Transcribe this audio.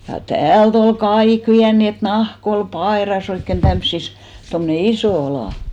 ja täältä oli kaikki vienyt niin että nahka oli paidassa oikein tämmöisissä tuommoinen iso ala